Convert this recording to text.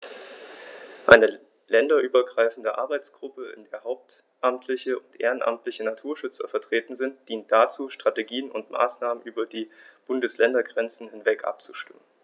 Eine länderübergreifende Arbeitsgruppe, in der hauptamtliche und ehrenamtliche Naturschützer vertreten sind, dient dazu, Strategien und Maßnahmen über die Bundesländergrenzen hinweg abzustimmen.